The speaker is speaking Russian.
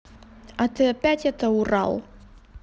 а ты опять это урал